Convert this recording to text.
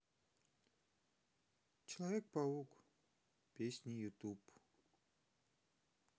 человек паук песни ютуб